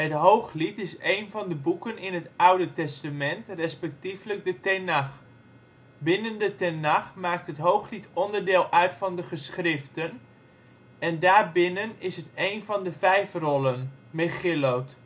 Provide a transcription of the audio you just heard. Hooglied is een van de boeken in het Oude Testament respectievelijk de Tenach. Binnen de Tenach maakt het Hooglied onderdeel uit van de Geschriften en daarbinnen is het een van de vijf rollen (Megillot